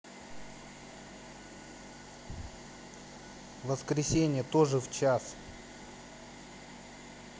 воскресенье тоже в час